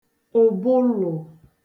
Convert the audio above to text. ùbụlụ̀